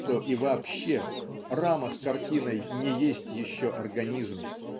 что и вообще рама с картиной не есть еще организм?